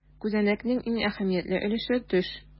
Күзәнәкнең иң әһәмиятле өлеше - төш.